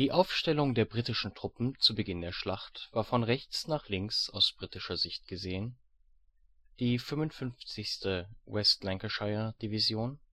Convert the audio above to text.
Aufstellung der britischen Truppen zu Beginn der Schlacht war von rechts nach links (aus britischer Sicht gesehen): 55. West Lancashire Division